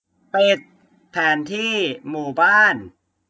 ปิดแผนที่หมู่บ้าน